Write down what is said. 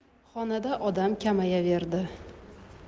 xonada odam kamayaverdi